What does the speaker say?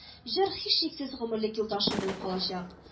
– җыр, һичшиксез, гомерлек юлдашым булып калачак